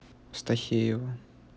стахеева